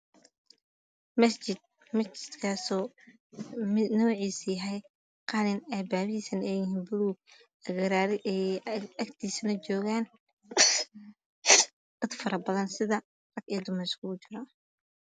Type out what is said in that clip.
Masjid magaciisa yahay qalin buluug dad faro badan rag iyo dumar